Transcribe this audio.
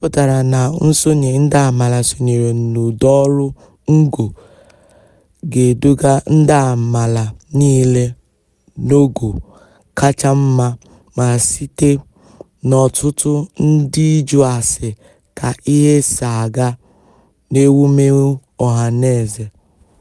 Ọ pụtara na nsonye ndị amaala sonyere n'ụdị ọrụ ngo ga-eduga ndị amaala niile n'ogo kacha mma ma site na ọtụtụ ndị ịjụ ase ka ihe si aga n'ewumewu ọhanaeze.